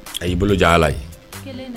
A y'i bolo jan Ala ye, kelen